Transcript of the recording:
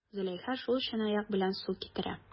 Зөләйха шул чынаяк белән су китерә.